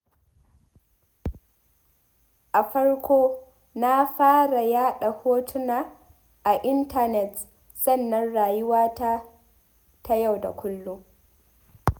A farko, na fara yaɗa hotuna a intanet sannan rayuwata ta yau da kullum.